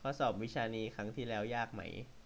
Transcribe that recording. ข้อสอบวิชานี้ครั้งที่แล้วยากไหม